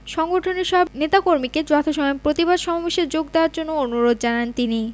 সংগঠনের সব নেতাকর্মীকে যথাসময়ে প্রতিবাদ সমাবেশে যোগ দেয়ার জন্য অনুরোধ জানান তিনি